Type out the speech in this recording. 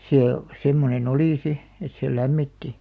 se semmoinen oli sitten että se lämmitti